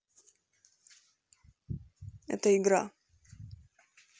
это игра